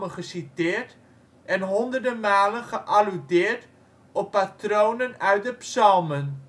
geciteerd en honderden malen gealludeerd op patronen uit de psalmen